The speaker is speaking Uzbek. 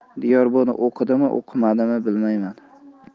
doniyor buni uqdimi uqmadimi bilmayman